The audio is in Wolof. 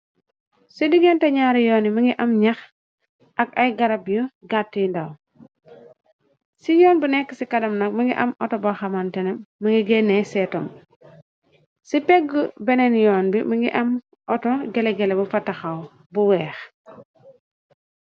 Si digante ñaari yooni mi ngi am ñax ak ay garab yu gàtti yu ndaw ci yoon bi nekk ci kadam nag mi ngi am auto bó xamanteni mi ngi genneh seetom ci pegga benen yoon bi mi ngi am auto gelegele bu fa taxaw bu wèèx.